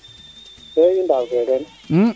e i ndaaw ke teen